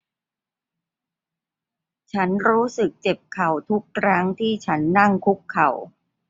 ฉันรู้สึกเจ็บเข่าทุกครั้งที่ฉันนั่งคุกเข่า